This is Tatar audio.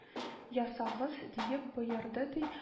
Ясагыз — диеп боерды, ди